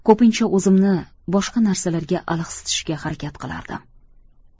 ko'pincha o'zimni boshqa narsalarga alahsitishga harakat qilardim